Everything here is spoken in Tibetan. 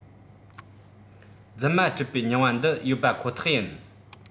རྫུན མ འཕྲད པའི མྱོང བ འདི ཡོད པ ཁོ ཐག ཡིན